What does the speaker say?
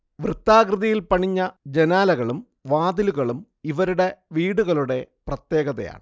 വൃത്താകൃതിയിൽ പണിഞ്ഞ ജനാലകളും വാതിലുകളും ഇവരുടെ വീടുകളുടെ പ്രത്യേകതയാണ്